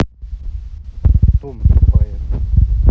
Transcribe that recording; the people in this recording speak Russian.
tom тупая